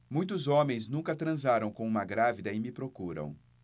muitos homens nunca transaram com uma grávida e me procuram